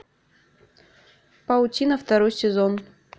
паутина второй сезон